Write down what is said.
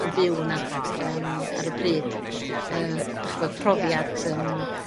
yn byw yna yym ar y pryd yy dach ch'bod profiad yym